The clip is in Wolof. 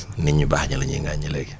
nit ñu baax ñi la ñuy ŋaññi léegi